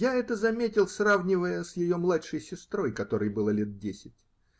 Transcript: Я это заметил, сравнивая с ее младшей сестрой, которой было лет десять.